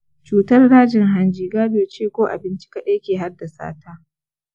cutar dajin hanji gado ce ko abinci kaɗai ke haddasa ta?